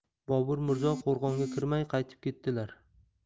bobur mirzo qo'rg'onga kirmay qaytib ketdilar